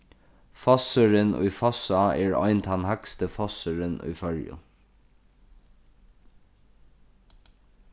fossurin í fossá er ein tann hægsti fossurin í føroyum